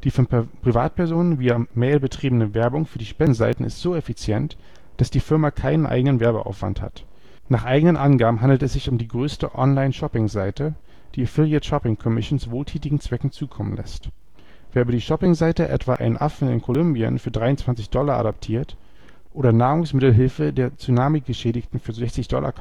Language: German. von Privatpersonen via Mail betriebene Werbung für die Spendenseiten ist so effizient, dass die Firma keinen eigenen Werbeaufwand hat. Nach eigenen Angaben handelt es sich um die größte Online-Shopping-Seite, die affiliate shopping commissions wohltätigen Zwecken zukommen lässt. Wer über die Shopping-Seite etwa einen Affen in Kolumbien für 23 Dollar adoptiert oder Nahrungsmittelhilfe der Tsunami-Geschädigten für 60 Dollar